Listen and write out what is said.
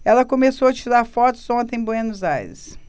ela começou a tirar fotos ontem em buenos aires